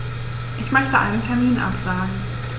Ich möchte einen Termin absagen.